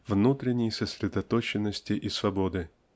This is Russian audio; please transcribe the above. внутренней сосредоточенности и свободы.